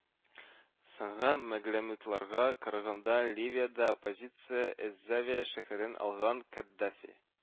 Соңгы мәгълүматларга караганда, Ливиядә оппозиция ЭзЗавия шәһәрен алган, Каддафи